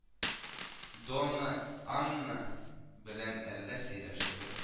Дона Анна белән әллә сөйләштегез